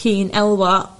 chi'n elwa